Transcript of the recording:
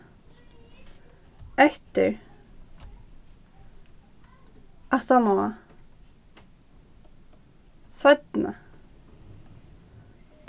eftir aftaná seinni